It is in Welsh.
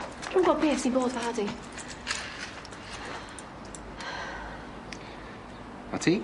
Dwi'm yn gwbo be' sy bod arna di. A ti?